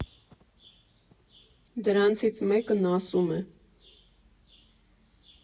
Դրանցից մեկն ասում է.